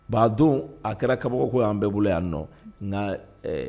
Bon a don, a kɛra kabako ko y'an bɛɛ bolo yan nɔ, nka ɛ